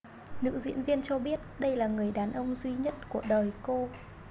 nữ diễn viên cho biết đây là người đàn ông duy nhất của đời cô